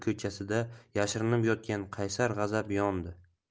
ko'chasida yashirinib yotgan qaysar g'azab yondi